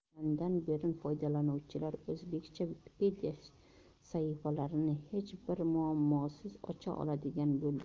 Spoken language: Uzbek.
o'shandan beri foydalanuvchilar o'zbekcha wikipedia sahifalarini hech bir muammosiz ocha oladigan bo'ldi